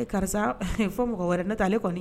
Karisa fɔ mɔgɔ wɛrɛ n ne taa ale kɔni